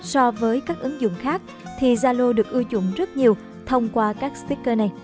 so với các ứng dụng khác thì zalo được ưa chuộng rất nhiều thông qua các sticker này